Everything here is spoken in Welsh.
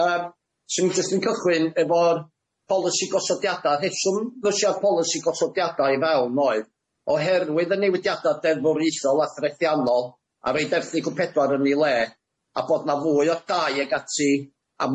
yym swn i jyst yn cychwyn efo'r polisi gosodiada rheswm ddois i a'r polisi gosodiada i fewn oedd oherwydd y newidiada deddfwriaethol athrethianol a roid erthygl pedwar yn ei le a bod na fwy o dai ag ati a